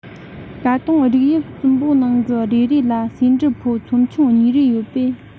ད དུང རིགས དབྱིབས གསུམ པོ ནང གི རེ རེ ལ ཟེའུ འབྲུ ཕོ ཚོམ ཆུང གཉིས རེ ཡོད པས